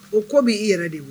O ko bɛ i yɛrɛ de b